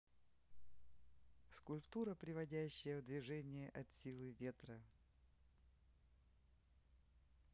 скульптура приводящая в движение от силы ветра